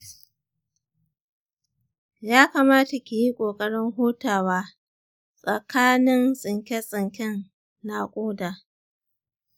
ya kamata ki yi ƙoƙarin hutawa tsakanin tsinke-tsinken nakuda.